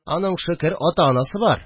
Аның, шөкер, атасы-анасы бар